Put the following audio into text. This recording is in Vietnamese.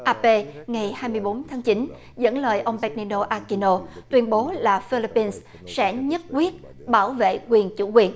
a bê ngày hai mươi bốn tháng chín dẫn lời ông bê na đô a ki nô tuyên bố là phi líp pin sẽ nhất quyết bảo vệ quyền chủ quyền